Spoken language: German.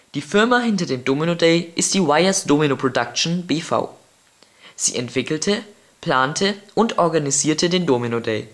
Die Firma hinter dem Domino Day ist die Weijers Domino Production B. V. Sie entwickelte, plante und organisierte den Domino Day